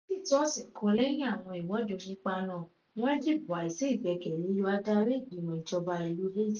Kò tíì tó ọ̀sẹ̀ kan lẹ́yìn àwọn ìwọ́de onípá náà, wọ́n dìbò àìsí ìgbẹ̀kẹ̀lẹ́ yọ Adarí Ìgbìmọ̀ Ìjọba ìlú Haiti.